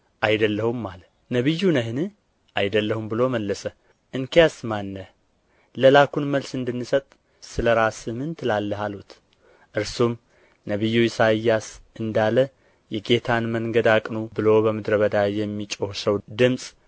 አይደለሁም አለ ነቢዩ ነህን አይደለሁም ብሎ መለሰ እንኪያስ ማን ነህ ለላኩን መልስ እንድንሰጥ ስለራስህ ምን ትላለህ አሉት እርሱም ነቢዩ ኢሳይያስ እንዳለ የጌታን መንገድ አቅኑ ብሎ በምድረ በዳ የሚጮኽ ሰው ድምፅ